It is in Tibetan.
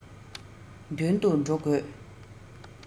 མདུན དུ འགྲོ དགོས